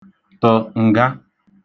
tə̣̀ ǹga